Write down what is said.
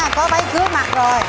có váy cưới mặc rồi